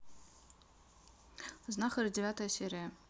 знахарь девятая серия